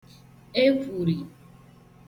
ekwùrì